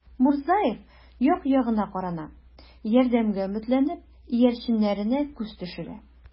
Мурзаев як-ягына карана, ярдәмгә өметләнеп, иярченнәренә күз төшерә.